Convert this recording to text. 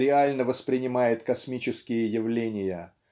реально воспринимает космические явления